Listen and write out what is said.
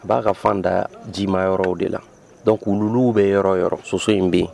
A b'a ka fan da jimayɔrɔw de la dɔnc wuluwuluw bɛ yɔrɔ o yɔrɔ soso in bɛ yen